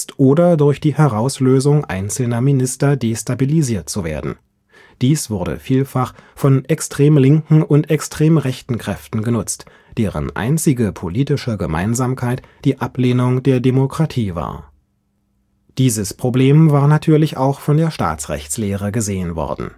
oder durch die Herauslösung einzelner Minister destabilisiert zu werden. Dies wurde vielfach von extrem linken und extrem rechten Kräften genutzt, deren einzige politische Gemeinsamkeit die Ablehnung der Demokratie war. Dieses Problem war natürlich auch von der Staatsrechtslehre gesehen worden